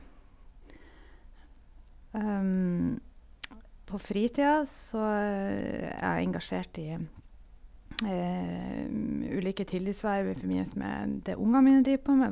På fritida så er jeg engasjert i ulike tillitsverv i forbindelse med det ungene mine driver på med.